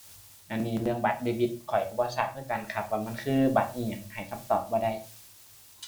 อันนี้เรื่องบัตรเดบิตข้อยก็บ่ทราบคือกันครับ ว่ามันคือบัตรอิหยังให้คำตอบบ่ได้